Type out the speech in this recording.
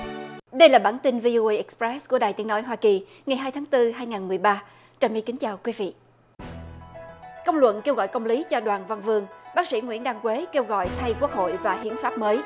đây là bản tin vi ô ây ích pét của đài tiếng nói hoa kỳ ngày hai tháng tư hai ngàn mười ba trà my kính chào quý vị công luận kêu gọi công lý cho đoàn văn vươn bác sĩ nguyễn đăng quế kêu gọi thay quốc hội và hiến pháp mới